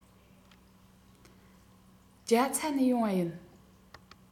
རྒྱ ཚ ནས ཡོང བ ཡིན